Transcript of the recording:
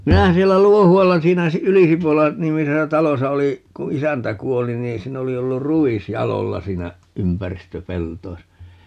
minähän siellä Luohualla siinä - Ylisipola nimisessä talossa olin kun isäntä kuoli niin siinä oli ollut ruis jaloilla siinä ympäristöpelloissa